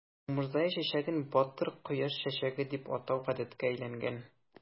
Ә умырзая чәчәген "батыр кояш чәчәге" дип атау гадәткә әйләнгән.